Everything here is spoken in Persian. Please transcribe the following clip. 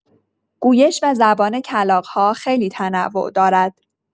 گویش و زبان کلاغ‌ها خیلی تنوع دارد.